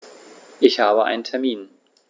Ich habe einen Termin.